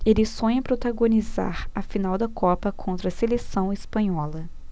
ele sonha protagonizar a final da copa contra a seleção espanhola